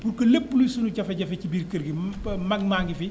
pour que lépp luy suñu jafe-jafe ci biir kër gi ñu toog mag maa ngi fi